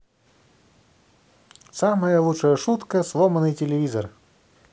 самая лучшая шутка сломанный телевизор